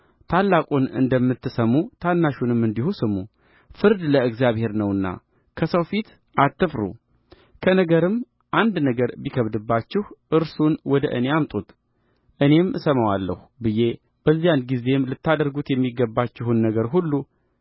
ታላቁን እንደምትሰሙ ታናሹንም እንዲሁ ስሙ ፍርድ ለእግዚአብሔር ነውና ከሰው ፊት አትፍሩ ከነገርም አንድ ነገር ቢከብዳችሁ እርሱን ወደ እኔ አምጡት እኔም እሰማዋለሁ ብዬ ፈራጆቻችሁን አዘዝኋቸውበዚያን ጊዜም ልታደርጉት የሚገባችሁን ነገር ሁሉ